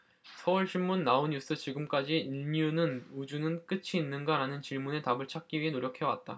서울신문 나우뉴스 지금까지 인류는우주는 끝이 있는가 라는 질문의 답을 찾기 위해 노력해왔다